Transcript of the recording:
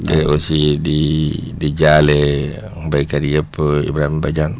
te aussi di di jaale béykat yëpp Ibrahima Badiane